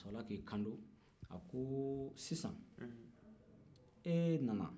a sɔrɔ la k'i kanto a ko sisan e nana